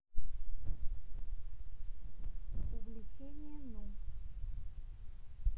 увлечение ну